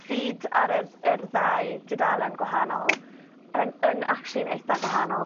feed ar yr yr ddau dudalen gwahanol, yn yn actually'n eitha gwahanol.